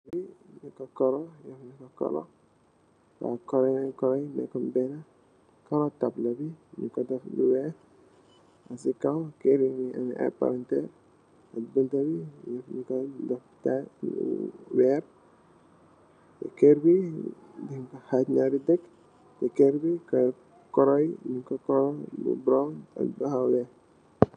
Kerr bii njung kor color, njung kor color, color color yii nekungh behnah, color tableau bii njung kor deff lu wekh, cii kaw kerr bii mungy ameh aiiy palanterre, ak bunta bii njung kor def taiyle bu wehrre, kerr bii njung kor haaj njarri dek, teh kerr bii kaaroh yii njung kor kaaroh bu brow ak lu hawah wekh.